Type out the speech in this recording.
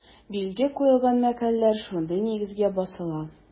Билге куелган мәкаләләр шундый нигездә басыла.